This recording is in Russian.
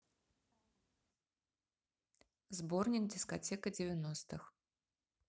сборник дискотека девяностых